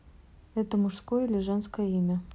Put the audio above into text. это мужское или женское имя